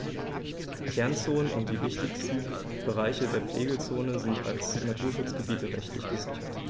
Kernzonen und die wichtigsten Bereiche der Pflegezone sind als Naturschutzgebiete rechtlich gesichert.